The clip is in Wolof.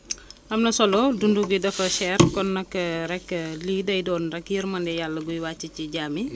am na solo dund bi dafa cher kon nag rek lii day doon rek yërmande yàlla guy wàcc ci jaam yi